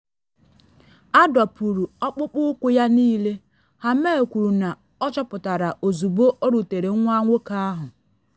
Adọpuru ọkpụkpụ ụkwụ ya niile, “ Hammel kwuru na ọ chọpụtara ozugbo o rutere nwa nwoke ahụ.